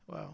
waaw